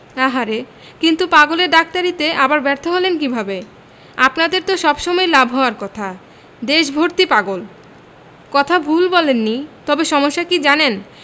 আহা রে কিন্তু পাগলের ডাক্তারিতে আবার ব্যর্থ হলেন কীভাবে আপনাদের তো সব সময়ই লাভ হওয়ার কথা দেশভর্তি পাগল... কথা ভুল বলেননি তবে সমস্যা কি জানেন